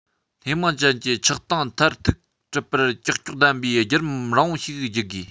སྣེ མང ཅན གྱི ཆགས སྟངས མཐར ཐུག གྲུབ པར ཀྱག ཀྱོག ལྡན པའི བརྒྱུད རིམ རིང པོ ཞིག བརྒྱུད དགོས